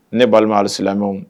Ne balima halisilaɲɔgɔn